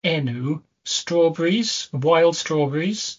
enw, strawberries, of wild strawberries.